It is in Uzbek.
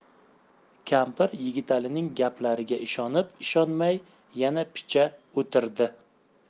kampir yigitalining gaplariga ishonib ishonmay yana picha o'tirdi